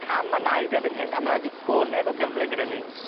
cam a naid erbyn hyn, a ma' 'na ddigonedd o gyfle gyda ni